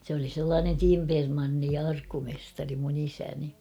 se oli sellainen timpermanni ja arkkumestari minun isäni